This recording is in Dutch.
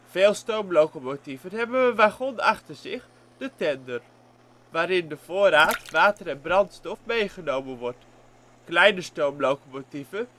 Vele stoomlocomotieven hebben een wagon achter zich, de tender, waarin de voorraad (water en brandstof) meegenomen wordt. Kleine stoomlocomotieven